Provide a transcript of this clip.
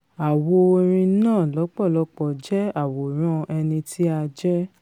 Àwo orin náà lọ́pọ̀lọ́pọ̀ jẹ́ àwòrán ẹnití a jẹ́.''